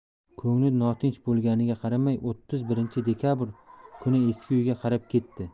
ko'ngli notinch bo'lganiga qaramay o'ttiz birinchi dekabr kuni eski uyiga qarab ketdi